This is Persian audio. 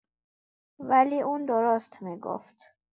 ولی اون درست می‌گفت.